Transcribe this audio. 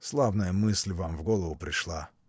Славная мысль вам в голову пришла!